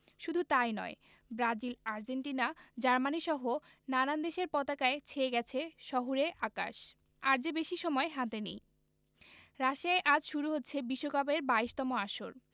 শুধু তা ই নয় ব্রাজিল আর্জেন্টিনা জার্মানিসহ নানান দেশের পতাকায় ছেয়ে গেছে শহুরে আকাশ আর যে বেশি সময় হাতে নেই রাশিয়ায় আজ শুরু হচ্ছে বিশ্বকাপের ২২তম আসর